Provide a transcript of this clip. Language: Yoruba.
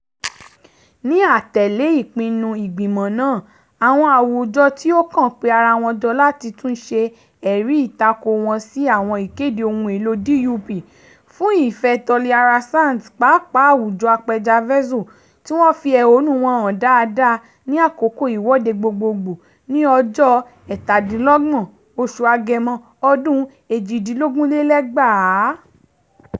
Ní àtẹ̀lé ìpinnu [Ìgbìmọ̀ náà], àwọn àwùjọ tí ó kàn pé ara wọn jọ láti tún ṣe ẹ̀rí ìtakò wọn sí àwọn Ìkéde Ohun Èlò (DUP) fún ìfẹ́ Toliara Sands, pàápàá àwùjọ apẹja Vezo, tí wọ́n fi ẹ̀hónú wọn hàn dáadáa ... ní àkókò ìwọ́de gbogboogbò ní ọjọ́ 27 oṣù Agẹmọ, ọdún 2018.